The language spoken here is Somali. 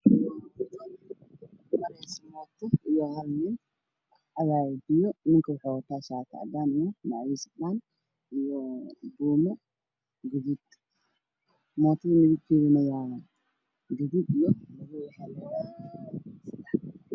Waa mooto meel mariso waxaa wada nin oo wata cadaana shuruud mootada oo keeda waa madow iyo caddaan